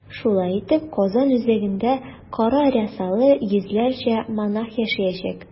Шулай итеп, Казан үзәгендә кара рясалы йөзләрчә монах яшәячәк.